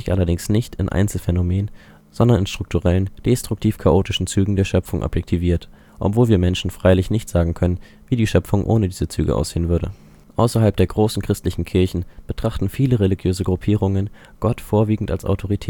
allerdings nicht in Einzelphänomenen, sondern in strukturellen destruktiv-chaotischen Zügen der Schöpfung objektiviert - obwohl wir Menschen freilich nicht sagen können, wie die Schöpfung ohne diese Züge aussehen würde. Außerhalb der großen christlichen Kirchen betrachten viele religiöse Gruppierungen Gott vorwiegend als Autorität